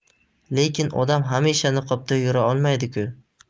lekin odam hamisha niqobda yura olmaydi ku